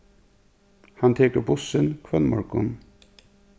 hann tekur bussin hvønn morgun